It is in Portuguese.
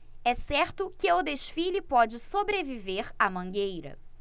é certo que o desfile pode sobreviver à mangueira